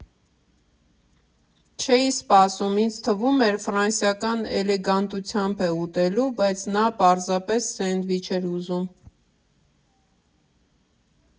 Չէի սպասում, ինձ թվում էր ֆրանսիական էլեգանտությամբ է ուտելու, բայց նա պարզապես սենդվիչ էր ուզում։